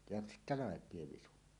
ja sitten laipio visu